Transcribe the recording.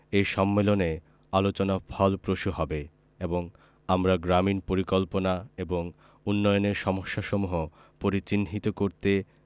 এ সম্মেলনে আলোচনা ফলপ্রসূ হবে এবং আমরা গ্রামীন পরিকল্পনা এবং উন্নয়নের সমস্যাসমূহ পরিচিহ্নিত করতে